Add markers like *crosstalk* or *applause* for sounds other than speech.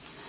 *hesitation* *hesitation*